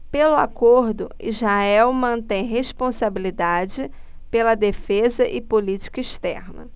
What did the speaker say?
pelo acordo israel mantém responsabilidade pela defesa e política externa